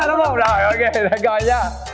đúng hông ròi ô kê để coi nhá